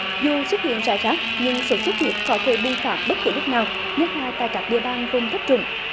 dù xuất hiện rải rác nhưng sốt xuất huyết có thể bùng phát bất cứ lúc nào nhất là tại các địa bàn vùng thấp trũng